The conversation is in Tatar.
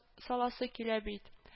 Саласы килә бит